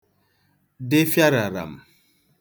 dị fịàràràm̀